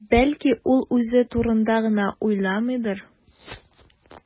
Бәлки, ул үзе турында гына уйламыйдыр?